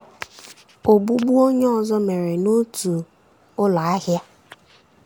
Ogbugbu onye ọzọ mere n'otu ụlọ ahịa.